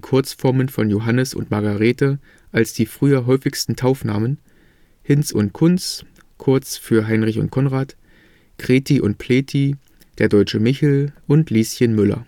(Kurzformen von Johannes und Margarethe als die früher häufigsten Taufnamen), Hinz und Kunz (kurz für: Heinrich und Konrad), Krethi und Plethi, der deutsche Michel und Lieschen Müller